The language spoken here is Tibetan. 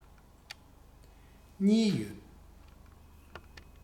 གཉིས ཡོད